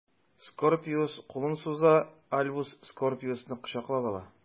Скорпиус кулын суза, Альбус Скорпиусны кочаклап ала.